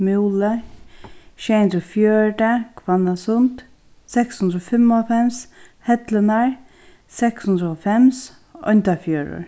múli sjey hundrað og fjøruti hvannasund seks hundrað og fimmoghálvfems hellurnar seks hundrað og hálvfems oyndarfjørður